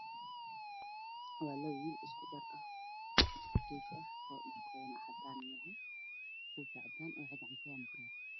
Waa laba wiil oo isku dhaar ah isku koofi ah oo dharkoodu yahay caddaan waxayna gacanta ku wataan boorso